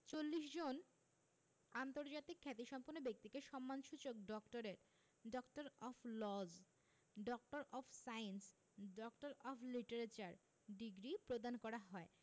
৪০ জন আন্তর্জাতিক খ্যাতিসম্পন্ন ব্যক্তিকে সম্মানসূচক doctorate doctor of laws doctor of science doctor of literature degree প্রদান করা হয়